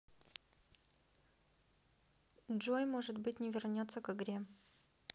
джой может быть не вернется к игре